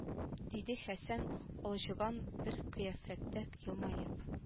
Диде хәсән алҗыган бер кыяфәттә елмаеп